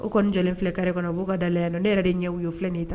O kɔni jɔlen filɛ kari kɔnɔ b'u ka da yan ni ne yɛrɛ de ɲɛ ye filɛ nin ye ta